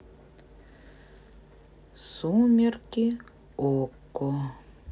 сумерки окко